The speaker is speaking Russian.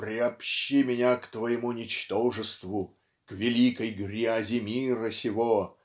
"Приобщи меня к твоему ничтожеству, к великой грязи мира сего!"